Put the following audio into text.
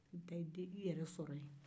i bɛ taa i yɛrɛ sɔrɔ yen